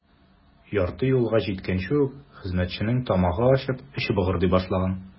Ярты юлга җиткәнче үк хезмәтченең тамагы ачып, эче быгырдый башлаган.